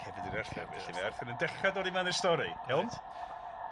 cefndir i Arthur. Cefndir. Felly mae Arthur yn dechre dod i mewn i'r stori iawn? Reit.